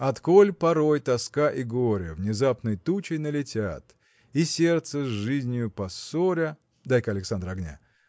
Отколь порой тоска и горе Внезапной тучей налетят И сердце с жизнию поссоря. – Дай-ка, Александр, огня.